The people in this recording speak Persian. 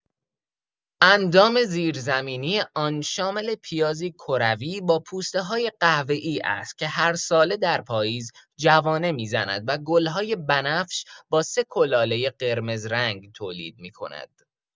اندام زیرزمینی آن شامل پیازی کروی با پوسته‌های قهوه‌ای است که هر ساله در پاییز جوانه می‌زند و گل‌های بنفش با سه کلاله قرمز رنگ تولید می‌کند.